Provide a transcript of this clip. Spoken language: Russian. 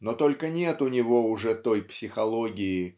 но только нет у него уже той психологии